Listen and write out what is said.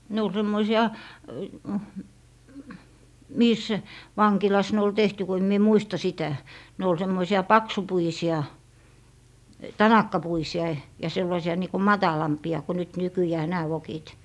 ne oli semmoisia missä vankilassa ne oli tehty kun en minä muista sitä ne oli semmoisia paksupuisia tanakkapuisia ja sellaisia niin kuin matalampia kuin nyt nykyään nämä vokit